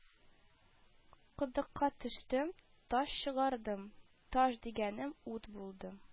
Кодыкка төштем, таш чыгардым,- Таш дигәнем ут булды